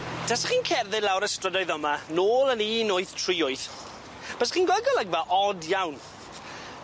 Tasech chi'n cerdded lawr y strydoedd yma nôl yn un wyth tri wyth bysech chi'n gweld golygfa od iawn.